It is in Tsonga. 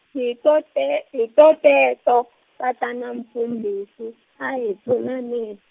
hi tote- hi toteto, tatana Mufundhisi, a hi pfunanen-.